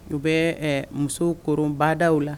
U bɛ muso kobadaw la